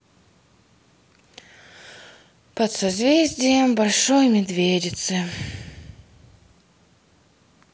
под созвездием большой медведицы